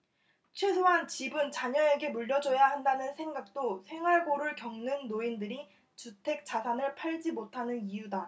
최소한 집은 자녀에게 물려줘야 한다는 생각도 생활고를 겪는 노인들이 주택 자산을 팔지 못하는 이유다